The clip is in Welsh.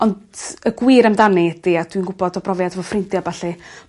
ont y gwir amdani ydi a dwi'n gwbod o brofiad fy ffrindia' a ballu